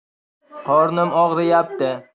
qornim og'riyapti